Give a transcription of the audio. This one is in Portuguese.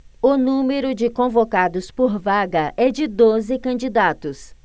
o número de convocados por vaga é de doze candidatos